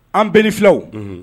An bɛn ni fulaw, unhun.